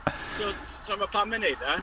So, saimo pam ma' hi'n wneud e.